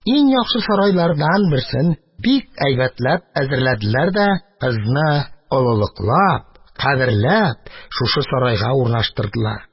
Иң яхшы сарайлардан берсен бик әйбәтләп әзерләделәр дә кызны, олылыклап, кадерләп, шул сарайга урнаштырдылар.